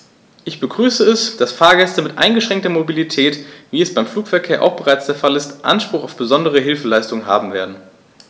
Ich begrüße es, dass Fahrgäste mit eingeschränkter Mobilität, wie es beim Flugverkehr auch bereits der Fall ist, Anspruch auf besondere Hilfeleistung haben werden.